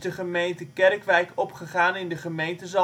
gemeente Kerkwijk opgegaan in de gemeente